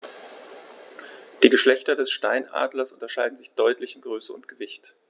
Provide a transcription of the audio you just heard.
Die Geschlechter des Steinadlers unterscheiden sich deutlich in Größe und Gewicht.